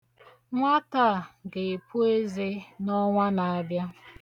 Nwata a ga-epu eze n'ọnwa na-abịa.